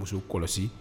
Muso kɔlɔsi